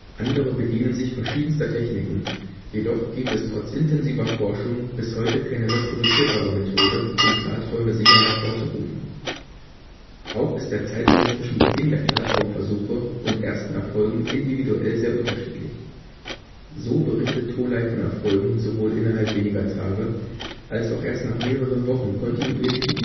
Andere bedienen sich verschiedenster Techniken (s.u.), jedoch gibt es trotz intensiver Forschung bis heute keine reproduzierbare Methode, um Klarträume sicher hervorzurufen. Auch ist der Zeitraum zwischen Beginn der Klartraumversuche und ersten Erfolgen individuell sehr unterschiedlich. So berichtet Tholey von Erfolgen sowohl innerhalb weniger Tage, als auch erst nach mehreren Wochen kontinuierlichen